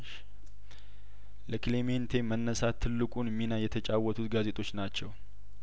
እሽ ለክሌሜንቴ መነሳት ትልቁን ሚና የተጫወቱት ጋዜጦች ናቸው